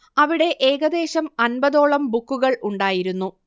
അവിടെ ഏകദേശം അൻപതോളം ബുക്കുകൾ ഉണ്ടായിരുന്നു